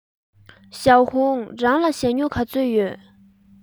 ཞའོ ཧུང རང ལ ཞྭ སྨྱུག ག ཚོད ཡོད